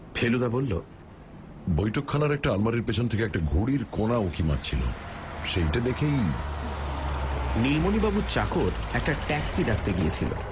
ফেলুদা বলল বৈঠকখানার একটা আলমারির পিছন থেকে একটা ঘুড়ির কোনা উকি মারছিল সেইটে দেখেই নীলমণিবাবুর চাকর একটা ট্যাক্সি ডাকতে গিয়েছিল